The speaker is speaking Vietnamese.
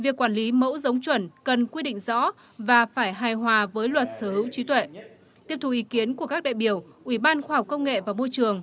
việc quản lý mẫu giống chuẩn cần quy định rõ và phải hài hòa với luật sở hữu trí tuệ tiếp thu ý kiến của các đại biểu ủy ban khoa học công nghệ và môi trường